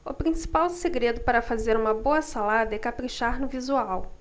o principal segredo para fazer uma boa salada é caprichar no visual